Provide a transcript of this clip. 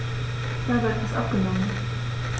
Ich habe etwas abgenommen.